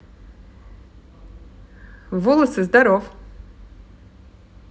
волосы здоров